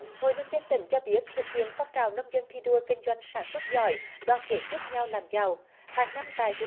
hội nông dân tỉnh cho biết thực hiện phong trào nông dân thi đua kinh doanh sản xuất giỏi đoàn kết giúp nhau làm giàu hàng năm tại thừa